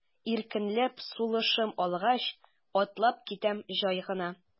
Иркенләп сулышым алгач, атлап китәм җай гына.